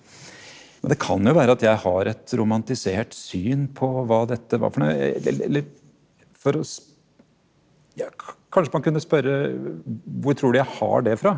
men det kan jo være at jeg har et romantisert syn på hva dette var for noe eller for å ja kanskje man kunne spørre hvor tror du jeg har det fra?